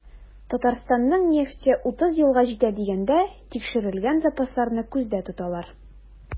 Татарстанның нефте 30 елга җитә дигәндә, тикшерелгән запасларны күздә тоталар.